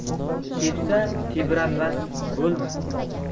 tepsa tebranmas bo'lma